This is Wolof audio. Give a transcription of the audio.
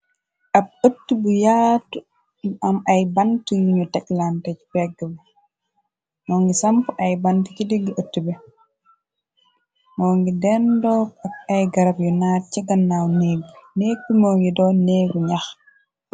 Ab ëtt bu yaatu am ay bant yuñu teklante ci pegg bi moo ngi samp ay bant ki diggi ët bi moo ngi dendoog ab ay garab yu naat cegannaaw néeg neek bi moo ngi doon neegu ñax.